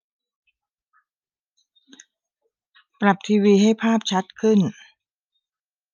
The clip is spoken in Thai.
ปรับทีวีให้ภาพชัดขึ้น